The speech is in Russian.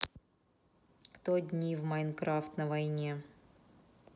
кто дни в minecraft на войне